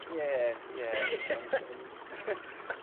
Ie ie. Ond ond